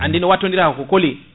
andi no wattodira ko koli